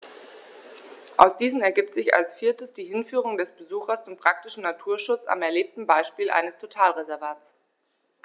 Aus diesen ergibt sich als viertes die Hinführung des Besuchers zum praktischen Naturschutz am erlebten Beispiel eines Totalreservats.